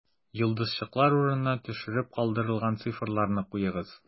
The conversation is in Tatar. Йолдызчыклар урынына төшереп калдырылган цифрларны куегыз: